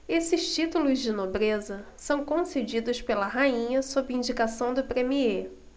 esses títulos de nobreza são concedidos pela rainha sob indicação do premiê